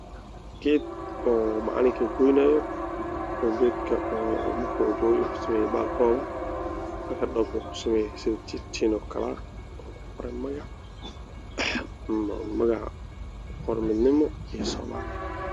Geed oo macalin doonaayo geedka markii uu gooyay muxuu sameeyay baal-gooda oo waag jiinka waa ku qoran magac magaca waxa waaye midnimo soomaaliya